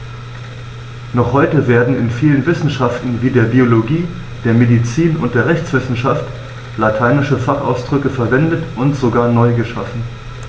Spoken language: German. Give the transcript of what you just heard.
Noch heute werden in vielen Wissenschaften wie der Biologie, der Medizin und der Rechtswissenschaft lateinische Fachausdrücke verwendet und sogar neu geschaffen.